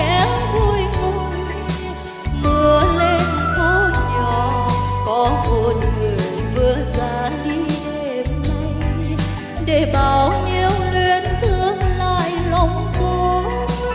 ngùi mưa lên phố nhỏ có một người vừa ra đi đêm nay để bao nhiêu luyến thương lại lòng tôi